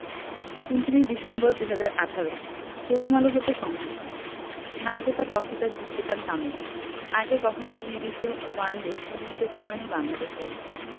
২৯ December ২০১৮ প্রথম আলো হতে সংগিহীত না জেতা ট্রফিটা জিততে চান তামিম আগে কখনোই ত্রিদেশীয় ওয়ানডে সিরিজ জেতা হয়নি বাংলাদেশের